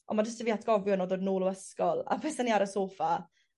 On' ma' jyst 'dy fi atgofion o dod nôl o ysgol a i ar y soffa